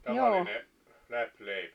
tavallinen läpileipä